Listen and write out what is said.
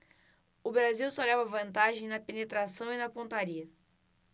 o brasil só leva vantagem na penetração e na pontaria